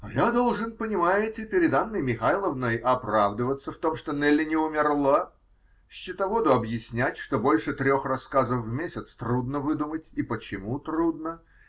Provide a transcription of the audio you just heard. А я должен, понимаете, перед Анной Михайловной оправдываться в том, что Нелли не умерла, счетоводу объяснять, что больше трех рассказов в месяц трудно выдумать, и почему трудно